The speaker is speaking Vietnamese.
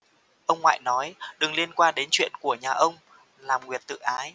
ông ngoại nói đừng liên quan đến chuyện của nhà ông làm nguyệt tự ái